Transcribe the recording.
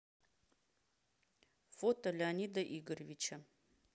фото леонида игоревича